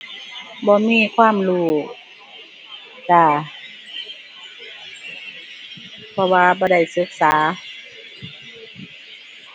บ่มีความรู้จ้า เพราะว่าบ่ได้ศึกษา